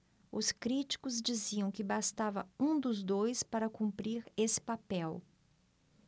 os críticos diziam que bastava um dos dois para cumprir esse papel